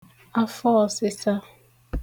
afọọ̀sịsa